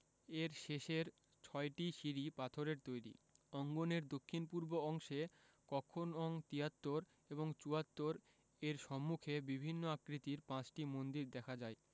এর শেষের ছয়টি সিঁড়ি পাথরের তৈরি অঙ্গনের দক্ষিণ পূর্ব অংশে কক্ষ নং ৭৩ এবং ৭৪ এর সম্মুখে বিভিন্ন আকৃতির ৫টি মন্দির দেখা যায়